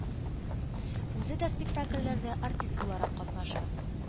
Үзе да спектакльләрдә артист буларак катнаша.